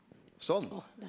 sånn.